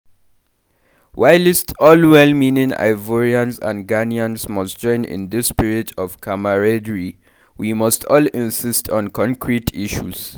Whilst all well-meaning Ivorians and Ghanaians must join in this spirit of camaraderie we must all insist on concrete issues